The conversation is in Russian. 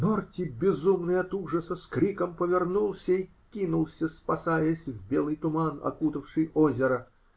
Норти, безумный от ужаса, с криком повернулся и кинулся, спасаясь, в белый туман, окутавший озеро.